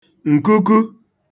ǹkuku